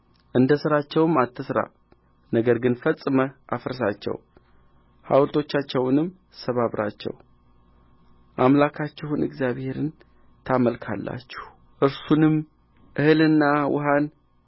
እንደ ሥራቸውም አትሥራ ነገር ግን ፈጽመህ አፍርሳቸው ሐውልቶቻቸውንም ሰባብራቸው አምላካችሁንም እግዚአብሔርን ታመልኩታላችሁ እርሱም እህልህንና ውኃህን